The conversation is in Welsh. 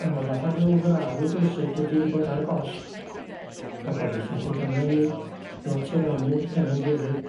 Odda fatha ryw frawd rwsut wedi bod ar goll a gobeithio by' gannon ni lot i rannu efo'n gilydd.